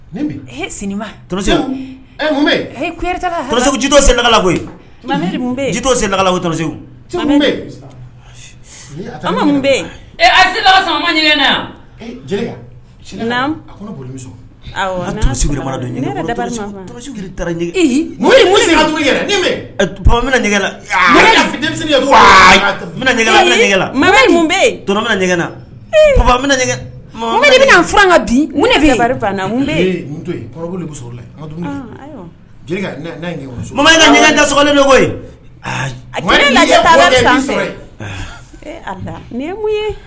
Sen koyi senj bɛna ka di